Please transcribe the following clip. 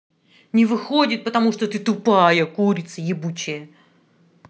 не выходит потому что ты тупая курица ебучая